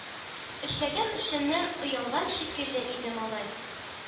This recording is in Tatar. Эшләгән эшеннән оялган шикелле иде малай.